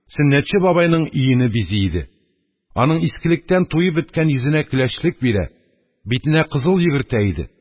Сөннәтче бабайның өене бизи иде; аның искелектән туеп беткән йөзенә көләчлек бирә, битенә кызыл йөгертә иде.